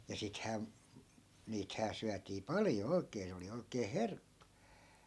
ja sittenhän niitähän syötiin paljon oikein se oli oikein herkku